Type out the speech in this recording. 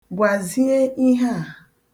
Gwazie ihe a.